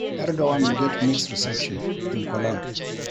Erdogan get mixed reception in Cologne